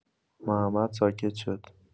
محمد ساکت شد.